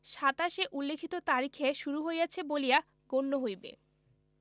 ২৭ এ উল্লিখিত তারিখে শুরু হইয়াছে বলিয়া গণ্য হইবে